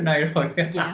rồi